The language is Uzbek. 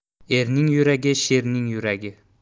erning yuragi sherning yuragi